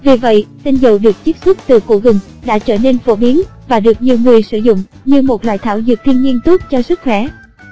vì vậy tinh dầu được chiết xuất từ củ gừng đã trở nên phổ biến và được nhiều người sử dụng như một loại thảo dược thiên nhiên tốt cho sức khoẻ